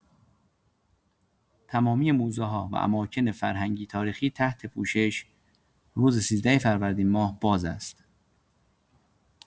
تمامی موزه‌ها و اماکن فرهنگی‌تاریخی تحت پوشش، روز ۱۳ فروردین‌ماه باز است.